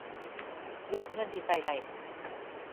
ยอดเงินที่ใช้ได้